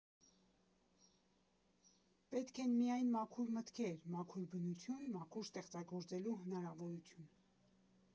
Պետք են միայն մաքուր մտքեր, մաքուր բնություն, մաքուր ստեղծագործելու հնարավորություն։